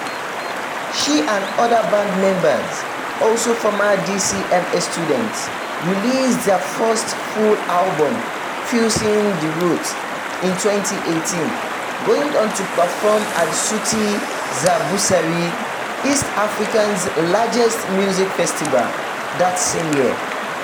She and other band members, also former DCMA students, released their first full album, "Fusing the Roots", in 2018, going on to perform at Sauti za Busara, East Africa's largest music festival, that same year.